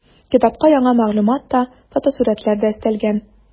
Китапка яңа мәгълүмат та, фотосурәтләр дә өстәлгән.